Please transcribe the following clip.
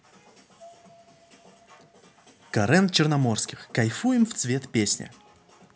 карен черноморских кайфуем в цвет песня